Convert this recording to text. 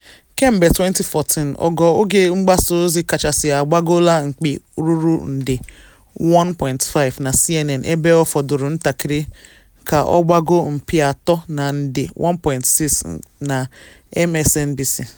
Kemgbe 2014, ogo oge-mgbasa ozi kachasị agbagoola mkpị ruru nde 1.05 na CNN ebe ọ fọdụrụ ntakịrị ka ọ gbagoo mkpị atọ na nde 1.6 na MSNBC.